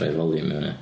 Troi volume i fyny.